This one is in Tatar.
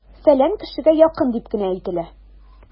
"фәлән кешегә якын" дип кенә әйтелә!